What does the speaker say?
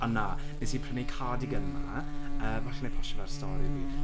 A na, wnes i prynu cardigan 'ma yy falle wna i postio fe ar stori fi.